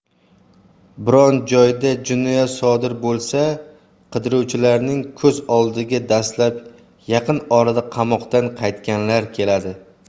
biron joyda jinoyat sodir bo'lsa qidiruvchilarning ko'z oldiga dastlab yaqin orada qamoqdan qaytganlar keladi